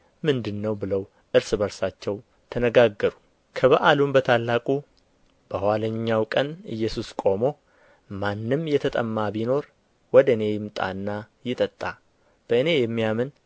ምንድን ነው ብለው እርስ በርሳቸው ተነጋገሩ ከበዓሉም በታላቁ በኋለኛው ቀን ኢየሱስ ቆሞ ማንም የተጠማ ቢኖር ወደ እኔ ይምጣና ይጠጣ በእኔ የሚያምን